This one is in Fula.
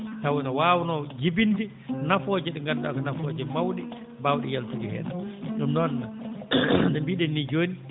tawa no waawnoo jibinde nafooje ɗe ngannduɗaa ko nafooje mawɗe baawɗe yaltude heen ɗum noon no mbiɗen nii jooni